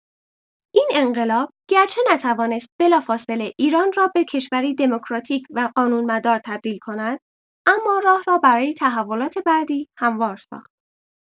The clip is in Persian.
این انقلاب گرچه نتوانست بلافاصله ایران را به کشوری دموکراتیک و قانون‌مدار تبدیل کند اما راه را برای تحولات بعدی هموار ساخت.